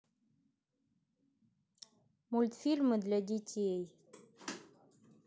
мультфильм для детей